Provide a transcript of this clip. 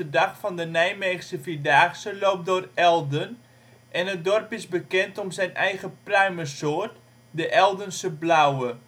dag van de Nijmeegse Vierdaagse loopt door Elden en het dorp is bekend om zijn eigen pruimensoort; de Eldense Blauwe